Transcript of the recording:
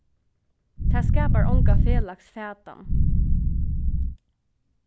tað skapar onga felags fatan